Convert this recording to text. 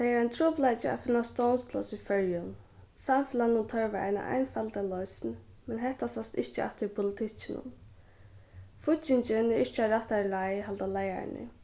tað er ein trupulleiki at finna stovnspláss í føroyum samfelagnum tørvar eina einfalda loysn men hetta sæst ikki aftur í politikkinum fíggingin er ikki á rættari leið halda leiðararnir